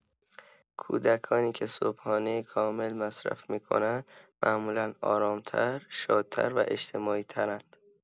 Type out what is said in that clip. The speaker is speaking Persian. کودکانی که صبحانه کامل مصرف می‌کنند معمولا آرام‌تر، شادتر و اجتماعی‌ترند.